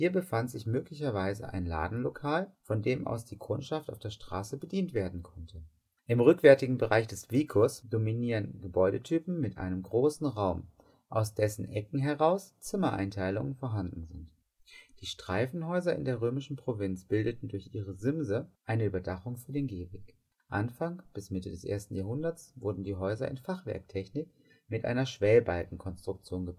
befand sich möglicherweise ein Ladenlokal, von dem aus die Kundschaft auf der Straße bedient werden konnte. Im rückwärtigen Bereich der vici dominieren Gebäudetypen mit einem großen Raum, aus dessen Ecken heraus Zimmereinteilungen vorhanden sind. Die Streifenhäuser in der römischen Provinz bildeten durch ihre Simse eine Überdachung für den Gehweg. Anfang bis Mitte des 1. Jahrhunderts wurden die Häuser in Fachwerktechnik mit einer Schwellbalkenkonstruktion